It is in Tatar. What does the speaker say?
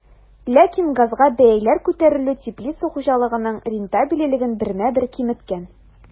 Ләкин газга бәяләр күтәрелү теплица хуҗалыгының рентабельлеген бермә-бер киметкән.